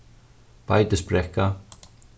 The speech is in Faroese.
beitisbrekka